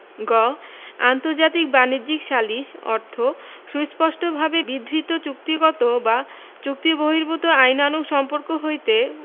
গ আন্তর্জাতিক বাণিজ্যিক সালিস অর্থ সুস্পষ্টভাবে বিধৃত চুক্তিগত বা চুক্তিবহির্ভুত আইনানুগ সম্পর্ক হইতে